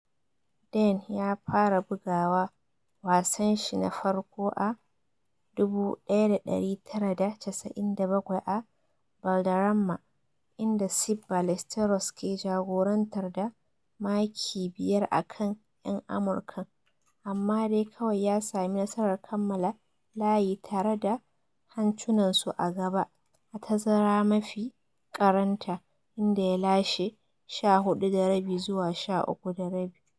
Dane ya fara bugawa wasan shi na farko a 1997 a Valderrama, inda Seve Ballesteros ke jagorantar da maki biyar a kan 'yan Amurkan amma dai kawai ya sami nasarar kammala layi tare da hancunan su a gaba a tazarar mafi karanta, inda ya lashe 14½- 13½.